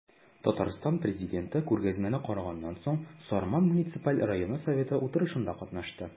Татарстан Президенты күргәзмәне караганнан соң, Сарман муниципаль районы советы утырышында катнашты.